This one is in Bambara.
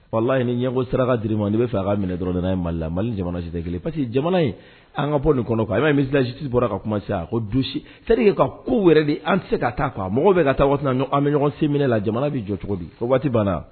Walahi ni ɲɛgo saraka d'ir'i ma, n'i b'a fɛ, a ka minɛ dɔrɔn, nana ye Mali la, Mali ni jamana si tɛ kelen parce que jamana in an ka bɔ nin kɔnɔ quoi i ma ye ministre de la Justice bɔra ka kuma sisan, ko dossier C'est à dire ko wɛrɛ de an tɛ ka taa, quoi mɔgɔ bɛ ka taa waati, an bɛ ɲɔgɔn sen minɛ la, jamana bɛ jɔ cogo di o waati banna wa?